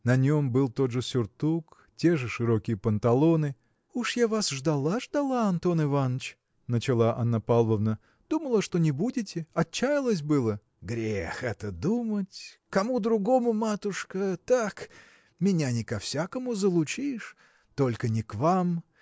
На нем был тот же сюртук, те же широкие панталоны. – Уж я вас ждала ждала Антон Иваныч – начала Анна Павловна – думала что не будете – отчаялась было. – Грех это думать! к кому другому, матушка, – так! меня не ко всякому залучишь. только не к вам.